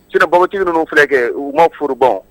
Sirabaaci ninnu filɛ kɛ u ma furuban